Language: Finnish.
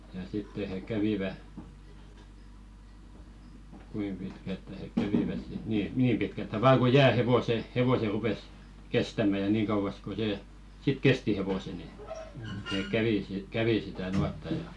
ja sitten he kävivät kuinka pitkältään he kävivät sitten niin niin pitkältään vain kuin jää hevoset hevoset rupesi kestämään ja niin kauas kuin se sitten kesti hevoset niin ne kävi kävi sitä nuottaa ja